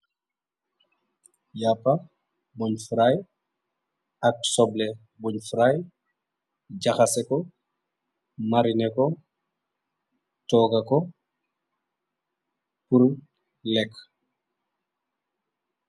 Yappa buñ fry ak soble buñ fry jaxaseko marineko togako pur lekka.